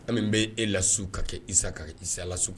Anw min bɛ e lasiw ka kɛsa ka kɛ isala